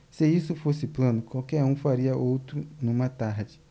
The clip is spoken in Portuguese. se isso fosse plano qualquer um faria outro numa tarde